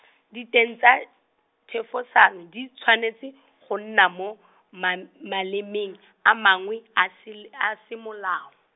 diteng tsa, thefosano di tshwanetse, go nna mo, man- malemeng, a mangwe, a sele- a semolao.